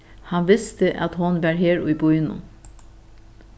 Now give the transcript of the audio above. hann visti at hon var her í býnum